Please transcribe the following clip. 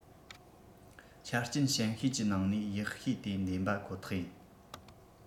ཆ རྐྱེན ཞན ཤོས ཀྱི ནང ནས ཡག ཤོས དེ འདེམས པ ཁོ ཐག ཡིན